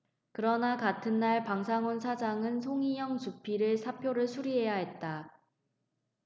그러나 같은 날 방상훈 사장은 송희영 주필의 사표를 수리해야 했다